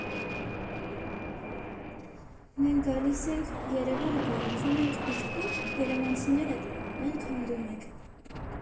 Մենք գալիս ենք, Երևանը կառուցում ենք, իսկ դուք՝ երևանցիներդ, այն քանդում եք։